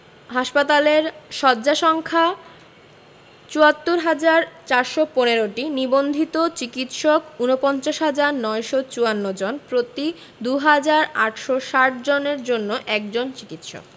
হাসপাতালের শয্যা সংখ্যা ৭৪হাজার ৪১৫টি নিবন্ধিত চিকিৎসক ৪৯হাজার ৯৯৪ জন প্রতি ২হাজার ৮৬০ জনের জন্য একজন চিকিৎসক